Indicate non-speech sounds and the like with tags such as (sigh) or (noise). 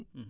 (hesitation) (hesitation)